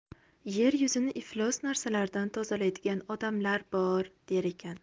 yer yuzini iflos narsalardan tozalaydigan odamlar bor der ekan